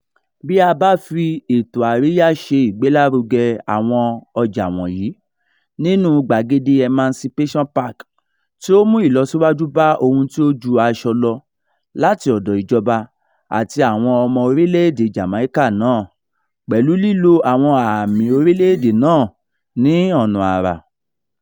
Bí a bá fi ètò àríyá ṣe ìgbélárugẹ àwọn ọjà wọ̀nyí nínúu gbàgede Emancipation Park tí ó mú ìlọsíwájú bá ohun tí ó ju aṣọ lọ láti ọ̀dọ̀ ìjọba àti àwọn ọmọ orílẹ̀ èdèe Jamaica náà, pẹ̀lú lílo àwọn ààmìi orílẹ̀ èdè náà ní ọ̀nà àrà.